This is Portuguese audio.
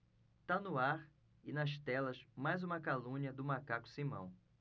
tá no ar e nas telas mais uma calúnia do macaco simão